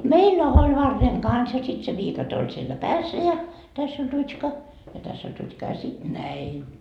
meillä oli varren kanssa ja sitten se viikate oli siellä päässä ja tässä oli rutska ja tässä oli rutska ja sitten näin